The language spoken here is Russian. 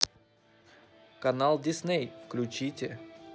канал дисней включите